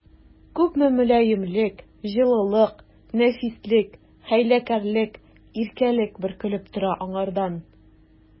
Күпме мөлаемлык, җылылык, нәфислек, хәйләкәрлек, иркәлек бөркелеп тора аңардан!